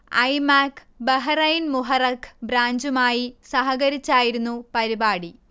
ഐമാക്ക് Bahrain Muharraq ബ്രാഞ്ചുമായി സഹകരിച്ചായിരുന്നു പരിപാടി